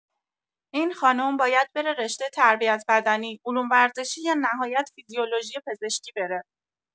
این خانم باید بره رشته تربیت‌بدنی علوم ورزشی یا نهایت فیزیولوژی پزشکی بره